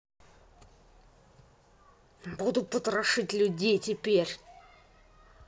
буду потрошить людей теперь